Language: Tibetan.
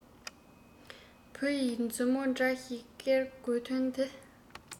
བུ ཡི མཛུབ མོ འདྲ ཞིག ཀེར དགོས དོན ནི